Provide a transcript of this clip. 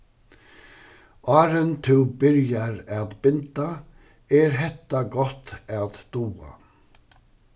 áðrenn tú byrjar at binda er hetta gott at duga